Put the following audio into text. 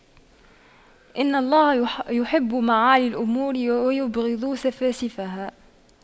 إن الله يحب معالي الأمور ويبغض سفاسفها